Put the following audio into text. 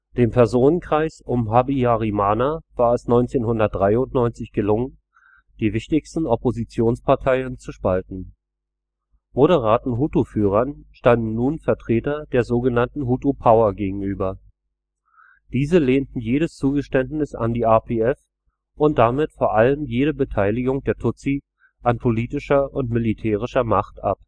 Dem Personenkreis um Habyarimana war es 1993 gelungen, die wichtigsten Oppositionsparteien zu spalten. Moderaten Hutu-Führern standen nun Vertreter der so genannten „ Hutu-Power “gegenüber. Diese lehnten jedes Zugeständnis an die RPF und damit vor allem jede Beteiligung der Tutsi an politischer und militärischer Macht ab